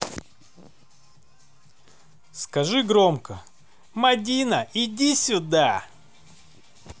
скажи громко мадина иди сюда